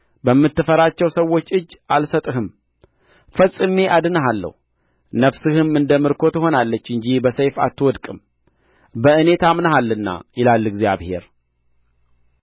በምትፈራቸው ሰዎች እጅ አልሰጥህም ፈጽሜ አድንሃለሁ ነፍስህም እንደ ምርኮ ትሆንልሃለች እንጂ በሰይፍ አትወድቅም በእኔ ታምነሃልና ይላል እግዚአብሔር